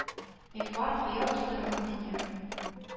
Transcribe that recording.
Мифлар хыял тудырган дөнья